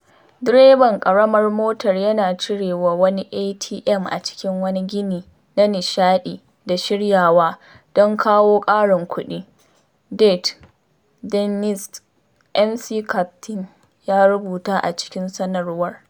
Direban ƙaramar motar yana cirewa wani ATM a cikin wani gini na nishaɗi da shiryawa don kawo ƙarin kuɗi, Det. Dennis McCarthy ya rubuta a cikin sanarwar.